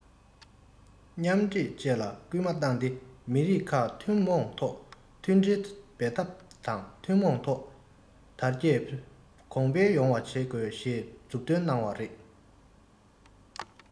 མཉམ འདྲེས བཅས ལ སྐུལ མ བཏང སྟེ མི རིགས ཁག ཐུན མོང ཐོག མཐུན སྒྲིལ འབད འཐབ དང ཐུན མོང ཐོག དར རྒྱས གོང འཕེལ ཡོང བ བྱེད དགོས ཞེས མཛུབ སྟོན གནང བ རེད